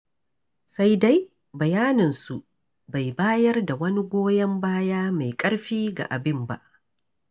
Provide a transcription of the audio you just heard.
Sai dai, bayaninsu bai bayar da wani goyon baya mai ƙarfi ga abin ba: